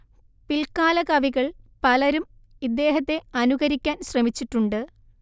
പിൽക്കാല കവികൾ പലരും ഇദ്ദേഹത്തെ അനുകരിക്കാൻ ശ്രമിച്ചിട്ടുണ്ട്